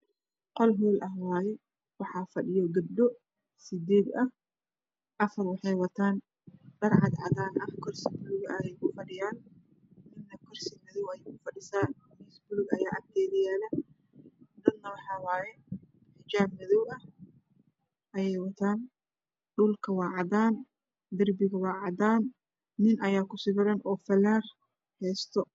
Qol hool ah waaye waxaa fadhiyo gabdho sideed ah afar waxey watan dhar cad cadaana h kursi madow ah miis paluug ayaa agteeeda yaalo mid na waxaa wayee xijaap madow ah eyeey wataan dhilka wa midap cadanaa darpiga waa cadaan nin ayaa ku sawiran o falaar heesto